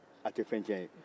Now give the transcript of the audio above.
a tɛ fɛn tiɲɛ i ye